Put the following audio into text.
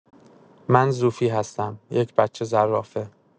من زوفی هستم، یک بچه زرافه.